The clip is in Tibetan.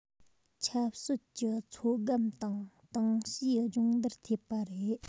ཆབ སྲིད ཀྱི ཚོད བགམ དང ཏང གཤིས སྦྱོང བརྡར ཐེབས པ རེད